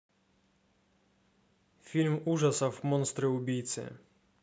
фильм ужасов монстры убийцы